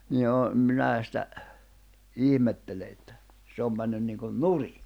niin jo minä sitä ihmettelen että se on mennyt niin kuin nurin